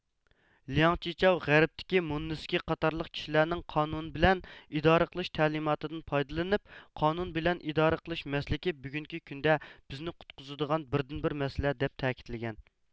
لياڭ چىچاۋ غەربتىكى موننېسكى قاتارلىق كىشىلەرنىڭ قانۇن بىلەن ئىدارە قىلىش تەلىماتىدىن پايدىلىنىپ قانۇن بىلەن ئىدارە قىلىش مەسلىكى بۈگۈنكى كۈندە بىزنى قۇتقۇزىدىغان بىردىنبىر مەسلە دەپ تەكىتلىگەن